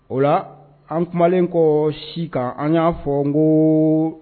O la an kumalen ko si kan an ya fɔ ngo